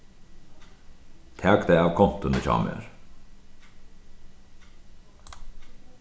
tak tað av kontuni hjá mær